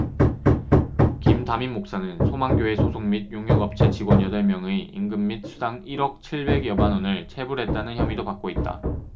김 담임목사는 소망교회 소속 및 용역업체 직원 여덟 명의 임금 및 수당 일 억 칠백 여만원을 체불했다는 혐의도 받고 있다